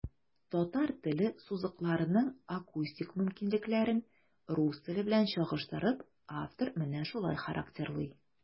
Татар теле сузыкларының акустик мөмкинлекләрен, рус теле белән чагыштырып, автор менә шулай характерлый.